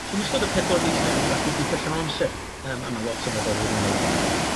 So yn ystod y pedwar mis 'ne ma' n'w gallu gwthio llawn amser yym a ma' lot o fyfyrwyr yn neud hynny.